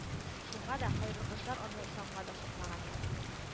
Шуңа да кайбер кошлар аны санга да сукмаганнар